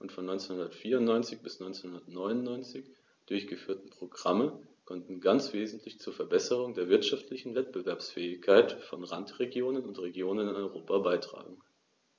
und von 1994 bis 1999 durchgeführten Programme konnten ganz wesentlich zur Verbesserung der wirtschaftlichen Wettbewerbsfähigkeit von Randregionen und Regionen in Europa beitragen.